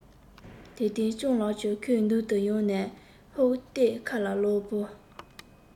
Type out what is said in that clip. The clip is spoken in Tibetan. དེ དུས སྤྱང ལགས ཀྱིས ཁོའི མདུན དུ ཡོང ནས ཧོབ སྟེ ཁ ལ གློ བུར